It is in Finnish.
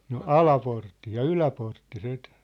no Alaportti ja Yläportti sitten